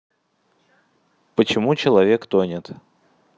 почему человек тонет